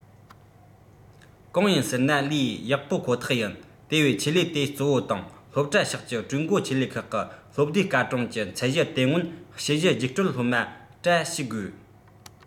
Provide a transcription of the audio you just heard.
གང ཡིན ཟེར ན ལས ཡག པོ ཁོ ཐག ཡིན དེ བས ཆེད ལས དེ གཙོ བོ དང སློབ གྲྭ ཕྱོགས ཀྱི གྲོས འགོ ཆེད ལས ཁག གི སློབ བསྡུའི སྐར གྲངས ཀྱི ཚད གཞི དེ སྔོན དཔྱད གཞི རྒྱུགས སྤྲོད སློབ མ དྲ ཞུགས དགོས